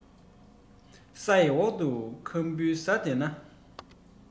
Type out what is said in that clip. ས ཡི འོག ཏུ ཁམ བུ ཟ འདོད ན